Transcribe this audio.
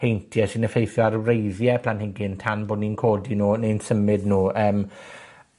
heintie sy'n effeithio ar wreiddie planhigyn tan bo' ni'n codi nw, neu'n symud nw, yym,